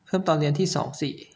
เพิ่มตอนเรียนที่สองสี่